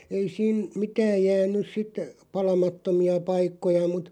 ei siinä mitään jäänyt sitten palamattomia paikkoja mutta